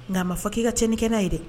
Nka a ma fɔ k'i ka cɛn ni kɛnɛ ye dɛ